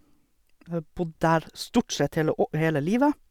Og har bodd der stort sett hele å hele livet.